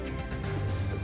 San yo